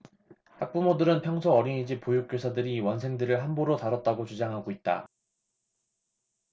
학부모들은 평소 어린이집 보육교사들이 원생들을 함부로 다뤘다고 주장하고 있다